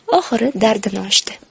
oxiri dardini ochdi